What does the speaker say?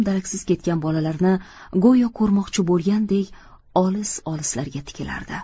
daraksiz ketgan bolalarini go'yo ko'rmoqchi bo'lgandek olis olislarga tikilardi